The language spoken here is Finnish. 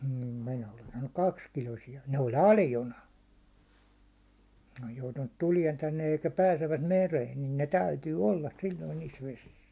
mm minä olen saanut kaksikiloisia ne oli aljona ne on joutunut tulemaan tänne ja eikä pääsevät mereen niin ne täytyy olla silloin niissä vesissä